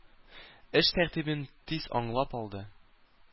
Эш тәртибен тиз аңлап алды.